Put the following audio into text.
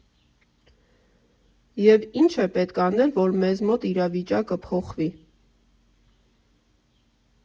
Եվ ի՞նչ է պետք անել, որ մեզ մոտ իրավիճակը փոխվի։